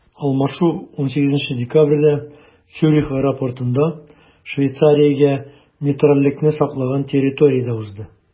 Алмашу 18 декабрьдә Цюрих аэропортында, Швейцариягә нейтральлекне саклаган территориядә узды.